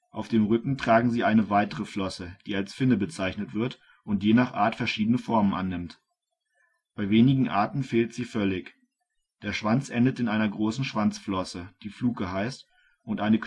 Auf dem Rücken tragen sie eine weitere Flosse, die als Finne bezeichnet wird und je nach Art verschiedene Formen annimmt. Bei wenigen Arten fehlt sie völlig. Der Schwanz endet in einer großen Schwanzflosse, die Fluke heißt und eine